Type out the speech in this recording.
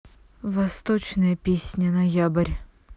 восточная песня ноябрь